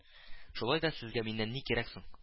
Шулай да сезгә миннән ни кирәк соң